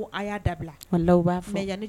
Ko a y'a dabila nka laban' fɛn yan